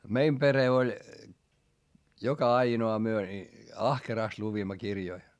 meidän perhe oli joka ainoa me niin ahkerasti luimme kirjoja